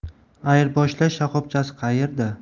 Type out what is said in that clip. ayirboshlash shaxobchasi qayerda